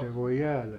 se voi jäädä